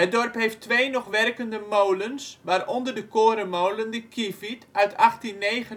dorp heeft twee nog werkende molens, waaronder de korenmolen De Kievit (1899